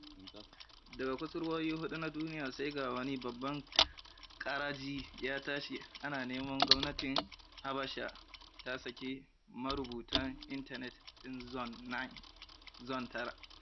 Daga kusurwoyi huɗu na duniya, sai ga wani babban ƙaraji ya tashi ana neman gwamnatin Habasha ta saki marubutan intanet ɗin Zone9.